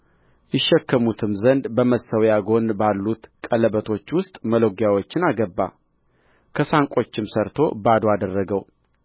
ይሸከሙትም ዘንድ በመሠዊያ ጎን ባሉት ቀለበቶች ውስጥ መሎጊያዎቹን አገባ ከሳንቆቹም ሠርቶ ባዶ አደረገው